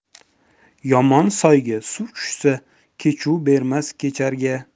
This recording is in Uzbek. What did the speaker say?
yomon soyga suv tushsa kechuv bermas kecharga